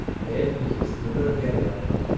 men ingliz tilini o'rganayapman